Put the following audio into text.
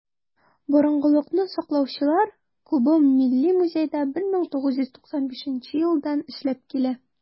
"борынгылыкны саклаучылар" клубы милли музейда 1995 елдан эшләп килә.